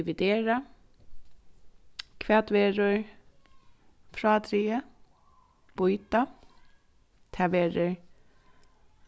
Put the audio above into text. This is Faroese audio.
dividera hvat verður frádrigið býta tað verður